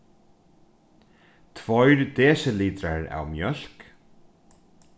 tveir desilitrar av mjólk